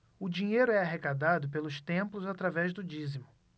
o dinheiro é arrecadado pelos templos através do dízimo